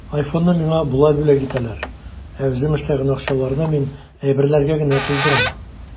Айфонны миңа болай бүләк итәләр, ә үзем эшләгән акчаларны мин әйберләргә генә туздырам.